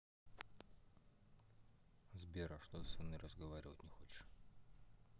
сбер а что ты со мной разговаривать не хочешь